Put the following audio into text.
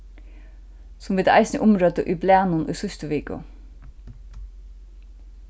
sum vit eisini umrøddu í blaðnum í síðstu viku